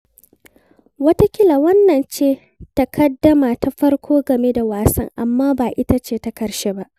Wataƙila wannan ce taƙaddama ta farko game da wasan, amma ba ita ce ta ƙarshe ba.